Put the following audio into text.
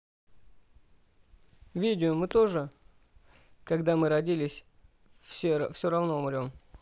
видео мы тоже тогда мы родились все равно умерли